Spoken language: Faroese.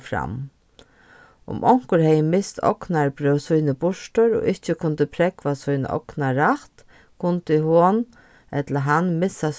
fram um onkur hevði mist ognarbrøv síni burtur og ikki kundi prógva sín ognarrætt kundi hon ella hann missa